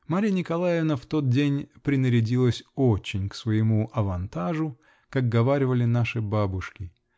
Марья Николаевна в тот день принарядилась очень к своему "авантажу как говаривали наши бабушки.